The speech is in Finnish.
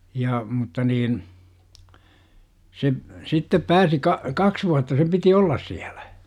ja mutta niin se sitten pääsi - kaksi vuotta sen piti olla siellä